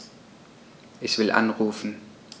Ich will anrufen.